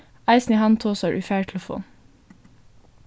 eisini hann tosar í fartelefon